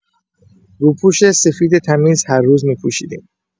روپوش‌سفید تمیز هر روز می‌پوشیدیم.